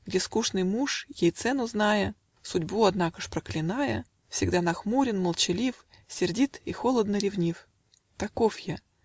Где скучный муж, ей цену зная (Судьбу, однако ж, проклиная), Всегда нахмурен, молчалив, Сердит и холодно-ревнив! Таков я.